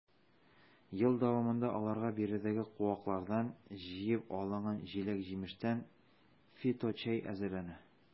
Ел дәвамында аларга биредәге куаклардан җыеп алынган җиләк-җимештән фиточәй әзерләнә.